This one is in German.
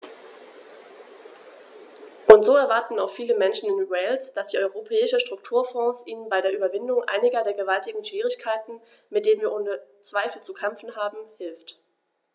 Und so erwarten auch viele Menschen in Wales, dass die Europäischen Strukturfonds ihnen bei der Überwindung einiger der gewaltigen Schwierigkeiten, mit denen wir ohne Zweifel zu kämpfen haben, hilft.